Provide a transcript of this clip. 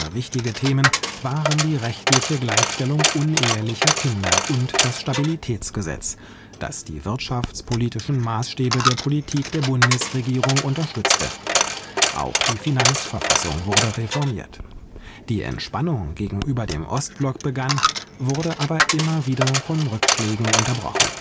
Wichtige weitere Themen waren die rechtliche Gleichstellung unehelicher Kinder und das Stabilitätsgesetz, das die wirtschaftspolitischen Maßstäbe der Politik der Bundesregierung setzte. Auch die Finanzverfassung wurde reformiert. Die Entspannung gegenüber dem Ostblock begann, wurde aber immer wieder von Rückschlägen unterbrochen